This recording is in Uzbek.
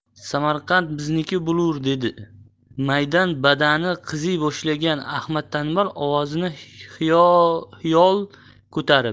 samarqand bizniki bo'lur dedi maydan badani qiziy boshlagan ahmad tanbal ovozini xiyol ko'tarib